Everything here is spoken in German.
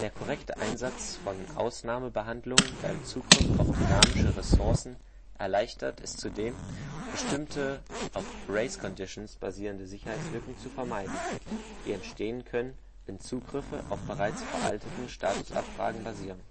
korrekte Einsatz von Ausnahmebehandlungen beim Zugriff auf dynamische Ressourcen erleichtert es zudem, bestimmte auf Race Conditions basierende Sicherheitslücken zu vermeiden, die entstehen können, wenn Zugriffe auf bereits veralteten Statusabfragen basieren